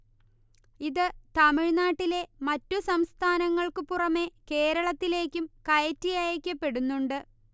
ഇത് തമിഴ്നാട്ടിലെ മറ്റു സംസ്ഥാനങ്ങൾക്കു പുറമേ കേരളത്തിലേക്കും കയറ്റി അയക്കപ്പെടുന്നുണ്ട്